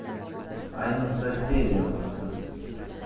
ayniqsa sen yomonsan